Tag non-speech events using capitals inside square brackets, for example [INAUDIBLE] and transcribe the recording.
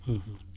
[HESITATION] [HESITATION]